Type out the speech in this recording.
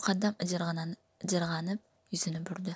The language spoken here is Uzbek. muqaddam ijirg'anib yuzini burdi